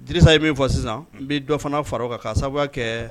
Didisa ye min fɔ sisan n bɛ dɔ fana fara kan ka sababu kɛ